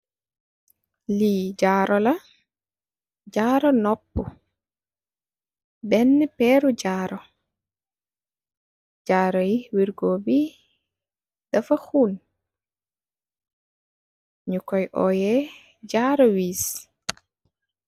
Lii jaaru la, jaaru noopu, beenë peeru jaaru, jaaru yi, werkoo bi, dafa xuñge. Ñu kooy oyee jaaru wiis.